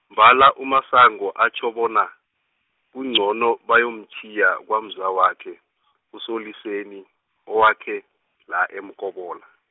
mbala uMasango atjho bona, kuncono bayomtjhiya kwamzawakhe uSoLiseni, owakhe la, eMkobola.